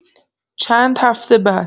چند هفته بعد